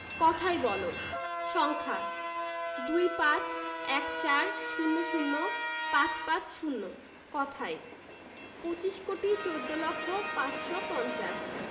কথায় বলঃ সংখ্যাঃ ২৫ ১৪ ০০ ৫৫০ কথায়ঃ পঁচিশ কোটি চৌদ্দ লক্ষ পাঁচশো পঞ্চাশ